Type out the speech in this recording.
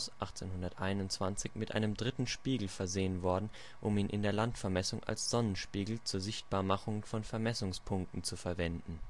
1821 mit einem dritten Spiegel versehen worden, um ihn in der Landesvermessung als Sonnenspiegel (Licht-Scheinwerfer = Vize-Heliotrop) zur Sichtbarmachung von Vermessungspunkten zu verwenden